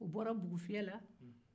u bɔra bugufiyɛ la